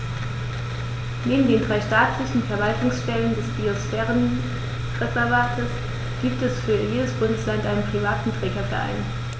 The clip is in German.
Neben den drei staatlichen Verwaltungsstellen des Biosphärenreservates gibt es für jedes Bundesland einen privaten Trägerverein.